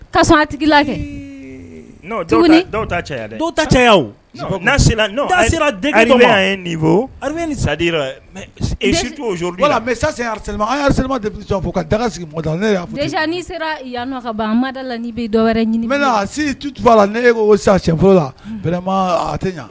Ka tigila kɛ ta caya ta caya sadi mɛ sasema fo ka sigi ne sera yan kada la ni dɔwɛrɛ ɲini na la ne sa sɛf lama tɛ ɲɛ